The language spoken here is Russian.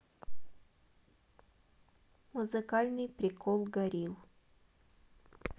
музыкальный прикол горилл